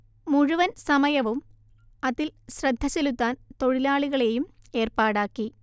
മുഴുവൻ സമയവും അതിൽ ശ്രദ്ധചെലുത്താൻ തൊഴിലാളികളെയും ഏർപ്പാടാക്കി